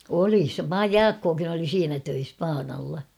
oli se Jaakkokin oli siinä töissä paanalla